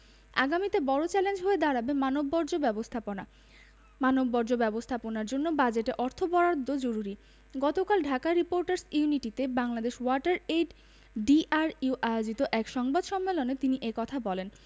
আগামীতে বড় চ্যালেঞ্জ হয়ে দাঁড়াবে মানববর্জ্য ব্যবস্থাপনা মানববর্জ্য ব্যবস্থাপনার জন্য বাজেটে অর্থ বরাদ্দ জরুরি গতকাল ঢাকা রিপোর্টার্স ইউনিটিতে ডিআরইউ ওয়াটার এইড বাংলাদেশ আয়োজিত এক সংবাদ সম্মেলন তিনি এ কথা বলেন